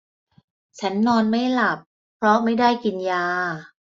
ฉันนอนไม่หลับเพราะไม่ได้กินยา